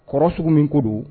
Kɔrɔ sugu min ko don